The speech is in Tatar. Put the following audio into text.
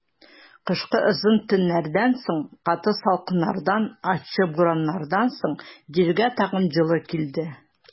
Кышкы озын төннәрдән соң, каты салкыннардан, ачы бураннардан соң җиргә тагын җылы килде.